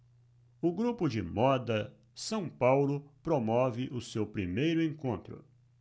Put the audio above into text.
o grupo de moda são paulo promove o seu primeiro encontro